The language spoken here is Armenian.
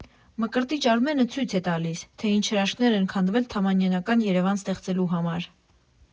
Մկրտիչ Արմենը ցույց է տալիս, թե ինչ հրաշքներ են քանդվել թամանյանական Երևան ստեղծելու համար։